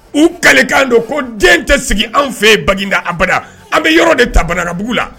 U kakan don ko den tɛ sigi anw fɛ bada anba an bɛ yɔrɔ de ta banabugu la